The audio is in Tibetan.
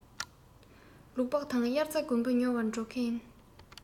ལུག པགས དང དབྱར རྩྭ དགུན འབུ ཉོ བར འགྲོ གི ཡིན